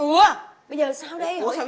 ừa bây giờ sao đây